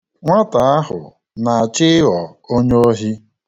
Nwata ahụ na-achọ ịghọ onye ohi.